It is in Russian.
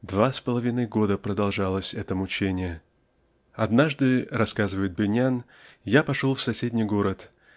Два с половиною года продолжалось это мученье. "Однажды -- рассказывает БЁниан -- я пошел в соседний город